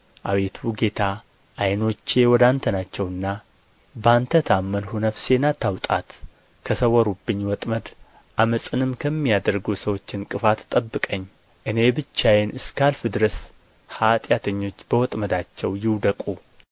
አቤቱ ጌታ ዓይኖቼ ወደ አንተ ናቸውና በአንተ ታመንሁ ነፍሴን አታውጣት ከሰወሩብኝ ወጥመድ ዓመፅንም ከሚያደርጉ ሰዎች ዕንቅፋት ጠብቀኝ እኔ ብቻዬን እስካልፍ ድረስ ኃጢአተኞች በወጥመዳቸው ይውደቁ